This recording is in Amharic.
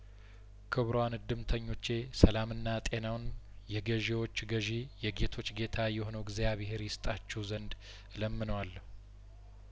ክቡራን እድምተኞቼ ሰላምና ጤናውን የገዢዎች ገዢ የጌቶች ጌታ የሆነው እግዚአብሄር ይስጣችሁ ዘንድ እለምነዋለሁ